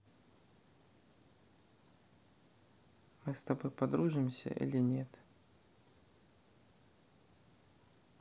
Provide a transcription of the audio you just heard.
мы с тобой подружимся или нет